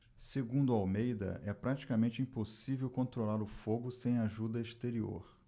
segundo almeida é praticamente impossível controlar o fogo sem ajuda exterior